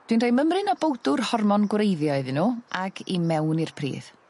Dwi'n rhoi mymryn y bowdwr hormon gwreiddio iddyn n'w ag i mewn i'r pridd.